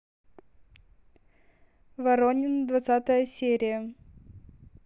воронины двадцатая серия